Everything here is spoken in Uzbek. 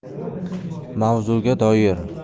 mavzuga doir